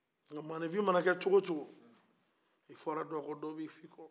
o nka maanifin mana kɛ cogo o cogo i fɔra dɔ kɔ dɔ bɛ fɔ i kɔ